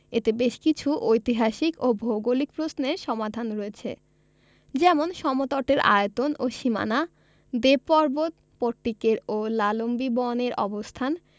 এতে বেশ কিছু ঐতিহাসিক ও ভৌগোলিক প্রশ্নের সমাধান হয়েছে যেমন সমতটের আয়তন ও সীমানা দেবপর্বত পট্টিকের ও লালম্বি বন এর অবস্থান